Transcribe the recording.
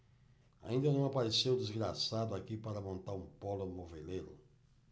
ainda não apareceu um desgraçado aqui para montar um pólo moveleiro